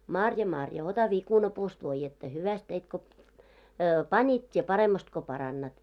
Marja Marja ota viikunapuusta voidetta hyvästi teit kun panit tee paremmasti kun parannat